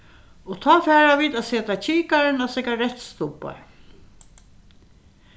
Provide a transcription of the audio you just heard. og tá fara vit at seta kikaran á sigarettstubbar